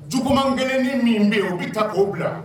Juguman kelen ni min bɛ yen u bɛ ta k'o bila.